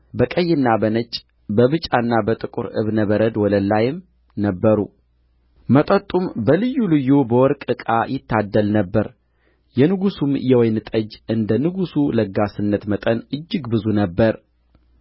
በቀይና በነጭ በብጫና በጥቁር ዕብነ በረድ ወለል ላይ ነበሩ መጠጡም በልዩ ልዩ በወርቅ ዕቃ ይታደል ነበር የንጉሡም የወይን ጠጅ እንደ ንጉሡ ለጋስነት መጠን እጅግ ብዙ ነበረ